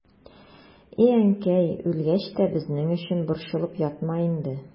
И әнкәй, үлгәч тә безнең өчен борчылып ятма инде.